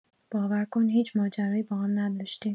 باور کن هیچ ماجرایی با هم نداشتیم.